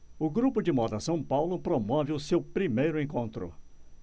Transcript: o grupo de moda são paulo promove o seu primeiro encontro